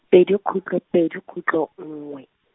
pedi khutlo pedi khutlo nngwe.